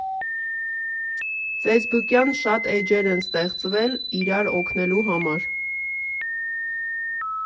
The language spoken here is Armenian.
Ֆեյսբուքյան շատ էջեր են ստեղծվել իրար օգնելու համար։